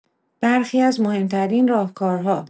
برخی از مهم‌ترین راهکارها